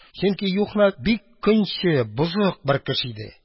Чөнки Юхна бик көнче, бозык бер кеше иде.